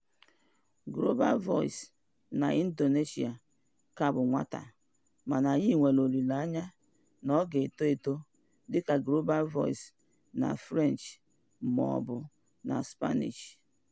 Global Voices na Indonesian ka bụ nwata mana anyị nwere olileanya na ọ ga-eto eto dịka Global Voices na French maọbụ na Spanish.